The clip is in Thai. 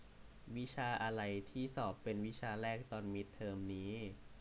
วิชาอะไรที่สอบเป็นวิชาแรกตอนมิดเทอมนี้